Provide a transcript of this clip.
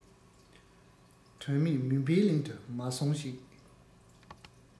དོན མེད མུན པའི གླིང དུ མ སོང ཞིག